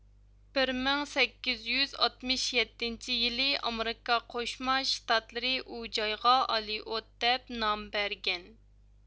بىر مىڭ سەككىز يۈز ئاتمىش يەتتىنچى يىلى ئامېرىكا قوشما شىتاتلىرى ئۇ جايغا ئالېئوت دەپ نام بەرگەن